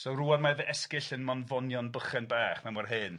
So, rŵan mae fy esgyll yn mond fonion bychan bach mae mor hen.